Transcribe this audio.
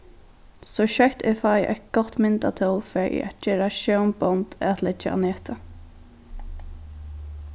so skjótt eg fái eitt gott myndatól fari eg at gera sjónbond at leggja á netið